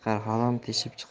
harom teshib chiqar